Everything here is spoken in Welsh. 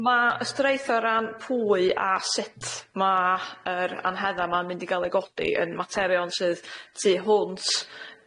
Yy ma' ystyrieutha ran pwy a sut ma' yr anhedda' 'ma'n mynd i ga'l 'i godi yn materion sydd tu hwnt